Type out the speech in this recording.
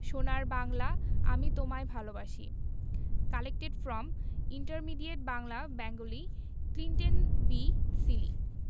সোনার বাংলা আমি তোমায় ভালবাসি collected from intermediate Bangla Bengali Clinton B Seely